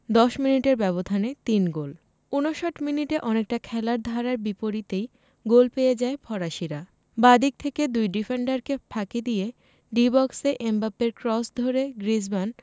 ১০ মিনিটের ব্যবধানে তিন গোল ৫৯ মিনিটে অনেকটা খেলার ধারার বিপরীতেই গোল পেয়ে যায় ফরাসিরা বাঁ দিক থেকে দুই ডিফেন্ডারকে ফাঁকি দিয়ে ডি বক্সে এমবাপ্পের ক্রস ধরে গ্রিজমান